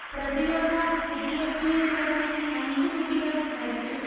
പ്രതിരോധ കുത്തിവയ്പ്പിനെത്തുടർന്ന് അഞ്ചു കുട്ടികൾ മരിച്ചു